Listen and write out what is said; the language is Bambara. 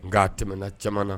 Nk'a tɛmɛna caman na